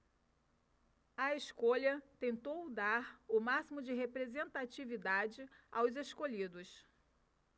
a escolha tentou dar o máximo de representatividade aos escolhidos